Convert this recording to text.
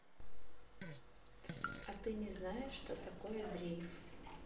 а ты не знаешь что такое дрейф